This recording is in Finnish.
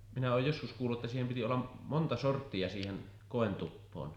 minä olen joskus kuullut että siihen piti olla monta sorttia siihen kointuppoon